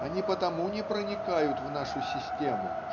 Они потому не проникают в нашу систему